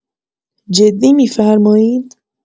جدی می‌فرمایید؟